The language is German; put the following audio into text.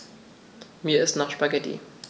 Mir ist nach Spaghetti.